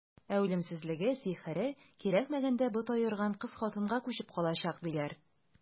Ә үлемсезлеге, сихере кирәкмәгәндә бот аерган кыз-хатынга күчеп калачак, диләр.